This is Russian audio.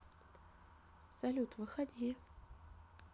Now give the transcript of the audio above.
салют выходи